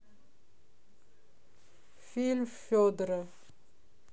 фильм федора